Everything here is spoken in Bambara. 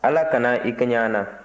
ala kana i kɛɲɛ an na